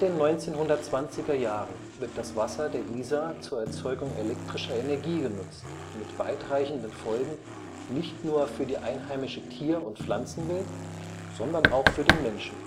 1920er Jahren wird das Wasser der Isar zur Erzeugung elektrischer Energie genutzt, mit weitreichenden Folgen nicht nur für die einheimische Tier - und Pflanzenwelt, sondern auch für den Menschen